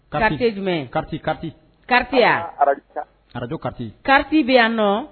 Karata jumɛn ka kati karata yanj kati kati bɛ yan nɔ